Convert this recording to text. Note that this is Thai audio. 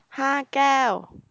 ห้าแก้ว